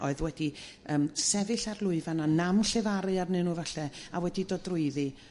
oedd wedi yrm sefyll ar lwyfan a nam llefaru arnyn nhw 'falle a wedi dod drwyddi